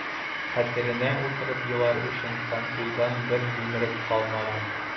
Хәтеренә утырып елар өчен помпейдан бер җимерек калмаган...